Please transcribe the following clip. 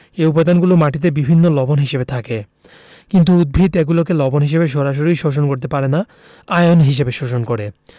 এ উপাদানগুলো মাটিতে বিভিন্ন লবণ হিসেবে থাকে কিন্তু উদ্ভিদ এগুলোকে লবণ হিসেবে সরাসরি শোষণ করতে পারে না আয়ন হিসেবে শোষণ করে